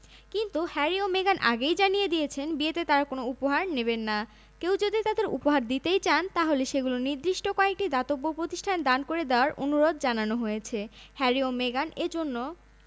কিন্তু হ্যারি ও মেগান আগেই জানিয়ে দিয়েছেন বিয়েতে তাঁরা কোনো উপহার নেবেন না কেউ যদি তাঁদের উপহার দিতেই চান তাহলে সেগুলো নির্দিষ্ট কয়েকটি দাতব্য প্রতিষ্ঠানে দান করে দেওয়ার অনুরোধ জানানো হয়েছে হ্যারি ও মেগান এ জন্য